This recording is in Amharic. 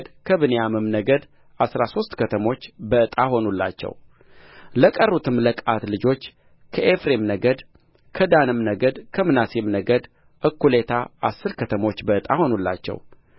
ከብንያምም ነገድ አሥራ ሦስት ከተሞች በዕጣ ሆኑላቸው ለቀሩትም ለቀዓት ልጆችከኤፍሬም ነገድ ከዳንም ነገድ ከምናሴም ነገድ እኩሌታ አሥር ከተሞች በዕጣ ሆኑላቸው